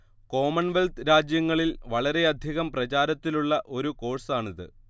Commonwealth രാജ്യങ്ങളിൽ വളരെയധികം പ്രചാരത്തിലുള്ള ഒരു കോഴ്സാണിത്